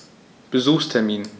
Besuchstermin